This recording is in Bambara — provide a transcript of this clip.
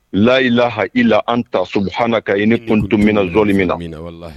Lahila hala an ta h ka i ni kɔntomin don minna na